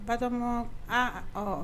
Batɔma aa ɔ!